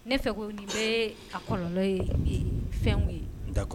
Ne fɛ ko bɛ ka kɔlɔ ye fɛn ye